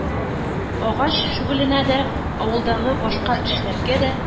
Агач шөгыленә дә, авылдагы башка эшләргә дә